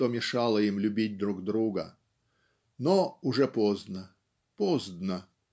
что мешало им любить друг друга но уже поздно поздно